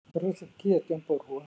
ฉันรู้สึกเครียดจนปวดหัว